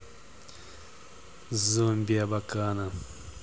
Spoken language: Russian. zombie абакана